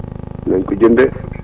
nañ ko jëndee